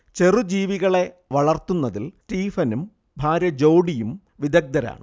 ചെറുജീവികളെ വളർത്തുന്നതിൽ സ്റ്റീഫനും ഭാര്യ ജോഡിയും വിദഗ്ധരാണ്